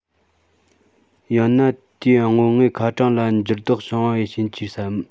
ཡང ན དེའི རྔོན དངོས ཁ གྲངས ལ འགྱུར ལྡོག བྱུང བའི རྐྱེན གྱིས སམ